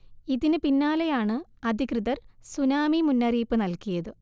ഇതിന് പിന്നാലെയാണ് അധികൃതർ സുനാമി മുന്നറിയിപ്പ് നൽകിയത്